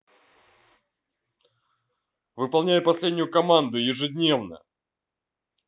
выполняй последнюю команду ежедневно